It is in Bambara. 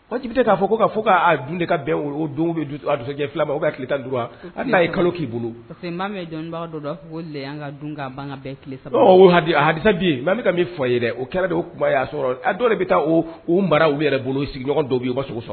Pibi bɛ k'a fɔ ko k' fɔ k'a dun de ka bɛn ojɛ filaba ka ki tan kalo k'i bolo que jɔn dɔ dunsa fɔ o kɛra de kun y'a sɔrɔ a dɔw de bɛ taa mara u yɛrɛ bolo sigiɲɔgɔn dɔw'u ka sogo sɔrɔ